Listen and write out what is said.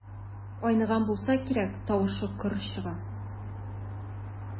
Айныган булса кирәк, тавышы көр чыга.